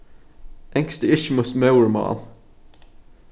enskt er ikki mítt móðurmál